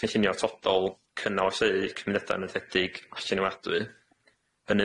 cynllunio atodol cynnal a chreu cymuneda' nathiedig a llenwadwy yn